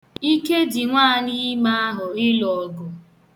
Ike dị nwaanyịime ahụ ịlụ ọgụ.